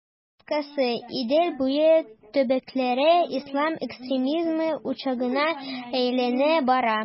Кыскасы, Идел буе төбәкләре ислам экстремизмы учагына әйләнә бара.